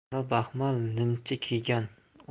qora baxmal nimcha kiygan